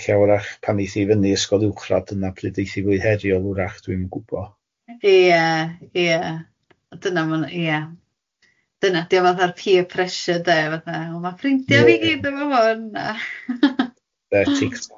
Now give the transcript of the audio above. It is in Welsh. ella wrach pan eith hi fyny ysgol uwchradd dyna pryd eith hi fwy heriol wrach dwi'm yn gwbod... Ia ia ...dyna ma' hwnna ia dyna ydy o fatha peer pressure de fatha o ma' ffrindiau fi gyd efo hwn a ia.